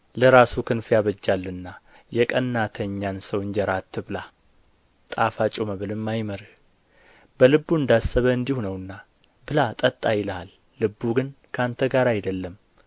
ለራሱ ክንፍ ያበጃልና የቀናተኛን ሰው እንጀራ አትብላ ጣፋጩ መብልም አይመርህ በልቡ እንዳሰበ እንዲሁ ነውና ብላ ጠጣ ይልሃል ልቡ ግን ካንተ ጋር አይደለም